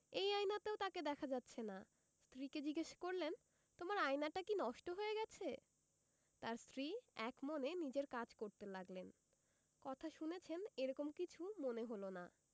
এই আয়নাতেও তাঁকে দেখা যাচ্ছে না স্ত্রীকে জিজ্ঞেস করলেন তোমার আয়নাটা কি নষ্ট হয়ে গেছে তাঁর স্ত্রী একমনে নিজের কাজ করতে লাগলেন কথা শুনেছেন এ রকম কিছু মনে হলো না